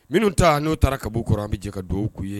Minnu ta n'o taara kab kɔrɔ an bɛ jɛ ka dugawu'u ye